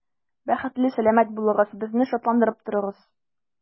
Бәхетле, сәламәт булыгыз, безне шатландырып торыгыз.